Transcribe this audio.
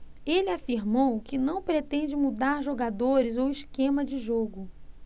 ele afirmou que não pretende mudar jogadores ou esquema de jogo